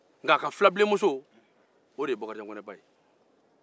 nka bakarijan kɔnɛ ba ye a ka filabienmuso